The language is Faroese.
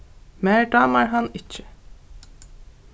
mær dámar hann ikki